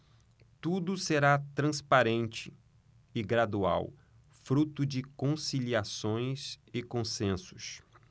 tudo será transparente e gradual fruto de conciliações e consensos